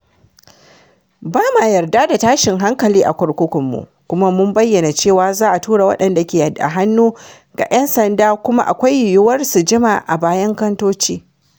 Ba ma yarda da tashin hankali a cikin kurkukunmu ba, kuma mun bayyana cewa za a tura waɗanda ke da hannu ga yan sanda kuma akwai yiwuwar su jima a bayan kantoci.”